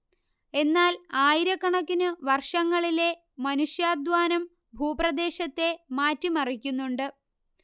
എന്നാൽ ആയിരക്കണക്കിനു വർഷങ്ങളിലെ മനുഷ്യാധ്വാനം ഭൂപ്രദേശത്തെ മാറ്റിമറിക്കുന്നുണ്ട്